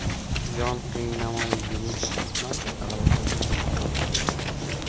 jon qiynamay yumush bitmas talaba bo'lmay murodga yetmas